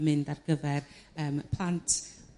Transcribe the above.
yn mynd ar gyfer yrm plant